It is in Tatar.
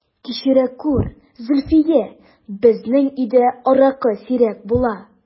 Кичерә күр, Зөлфия, безнең өйдә аракы сирәк була...